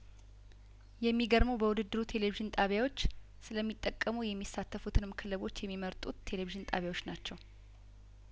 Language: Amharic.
የሚገርመው በውድድሩ ቴሌቪዥን ጣቢያዎች ስለሚ ጠቀሙ የሚሳተፉትንም ክለቦች የሚመርጡት ቴሌቭዥን ጣብያዎች ናቸው